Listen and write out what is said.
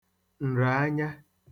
ǹràanya